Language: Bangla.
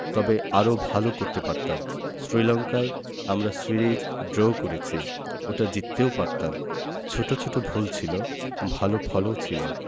তবে আরও ভালো করতে পারতাম শ্রীলঙ্কায় আমরা সিরিজ ড্র করেছি ওটা জিততেও পারতাম ছোট ছোট ভুল ছিল ভালো ফলও ছিল